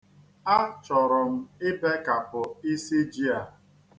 Achọrọ m ibekapụ isi ji a.